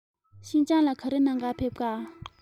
ཤིན ཅང ལ ག རེ གནང ག ཕེབས འགྲོ ག